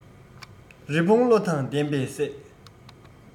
རི བོང བློ དང ལྡན པས བསད